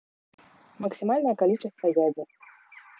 максимальное количество ядер